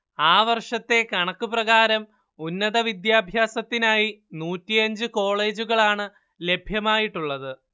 ആ വർഷത്തെ കണക്കു പ്രകാരം ഉന്നതവിദ്യാഭ്യാസത്തിനായി നൂറ്റിയഞ്ച് കോളേജുകളാണ് ലഭ്യമായിട്ടുള്ളത്